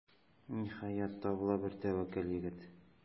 Ниһаять, табыла бер тәвәккәл егет.